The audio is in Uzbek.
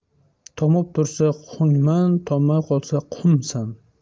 tomib tursa quhngman tommay qolsa quhmsan